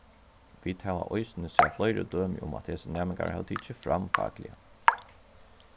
vit hava eisini sæð fleiri dømi um at hesir næmingar hava tikið seg fram fakliga